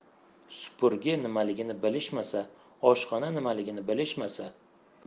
supurgi nimaligini bilishmasa oshxona nimaligini bilishmasa